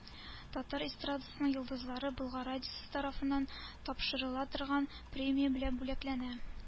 Татар эстрадасының йолдызлары “Болгар радиосы” тарафыннан тапшырыла торган премия белән бүләкләнә.